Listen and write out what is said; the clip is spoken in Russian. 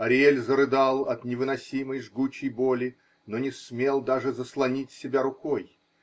Ариэль зарыдал от невыносимой, жгучей боли, но не смел даже заслонить себя рукой.